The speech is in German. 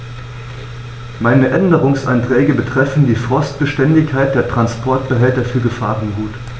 Meine Änderungsanträge betreffen die Frostbeständigkeit der Transportbehälter für Gefahrgut.